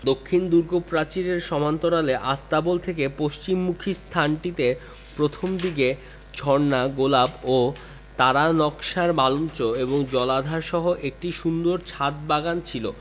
দক্ষিণ দুর্গপ্রাচীরের সমান্তরালে আস্তাবল থেকে পশ্চিমমুখি স্থানটিতে প্রথম দিকে ঝর্ণা গোলাপ ও তারা নকশার মালঞ্চ এবং জলাধারসহ একটি সুন্দর ছাদ বাগান ছিল